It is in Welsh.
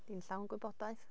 'Di hi'n llawn gwybodaeth.